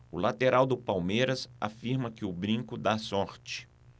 o lateral do palmeiras afirma que o brinco dá sorte